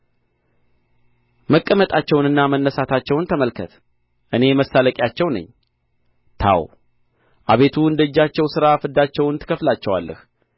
መቀመጣቸውንና መነሣታቸውን ተመልከት እኔ መሳለቂያቸው ነኝ ታው አቤቱ እንደ እጃቸው ሥራ ፍዳቸውን ትከፍላቸዋለህ